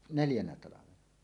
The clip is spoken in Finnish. neljänä talvena